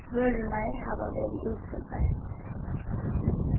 vørurnar hava verið útseldar